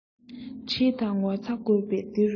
ཁྲེལ དང ངོ ཚ དགོས པ འདི རུ རེད